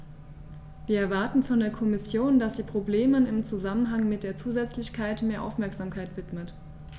Wir erwarten von der Kommission, dass sie Problemen im Zusammenhang mit der Zusätzlichkeit mehr Aufmerksamkeit widmet.